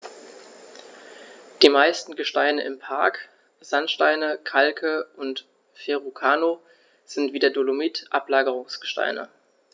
Die meisten Gesteine im Park – Sandsteine, Kalke und Verrucano – sind wie der Dolomit Ablagerungsgesteine.